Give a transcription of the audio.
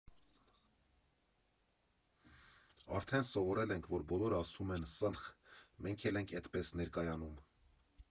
Արդեն սովորել ենք, որ բոլորը ասում են Սնխ, մենք էլ ենք էդպես ներկայանում։